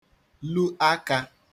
lu aka